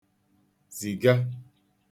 zìga